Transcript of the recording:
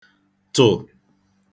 tụ̀